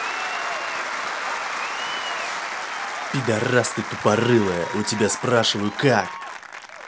пидарас ты тупорылая у тебя спрашиваю как